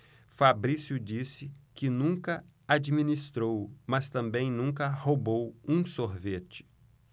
fabrício disse que nunca administrou mas também nunca roubou um sorvete